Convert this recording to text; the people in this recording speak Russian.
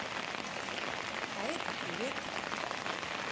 а это привет